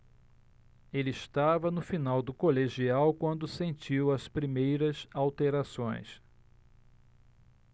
ele estava no final do colegial quando sentiu as primeiras alterações